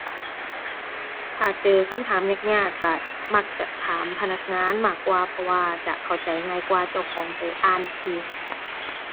ถ้าเจอคำถามยากยากก็ มักจะถามพนักงานมากกว่า เพราะว่าจะเข้าใจง่ายกว่าเจ้าของไปอ่านเอง